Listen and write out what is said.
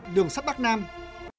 đường sắt bắc nam